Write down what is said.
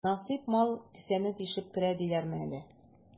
Насыйп мал кесәне тишеп керә диләрме әле?